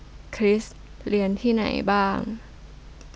คริสเรียนที่ไหนบ้าง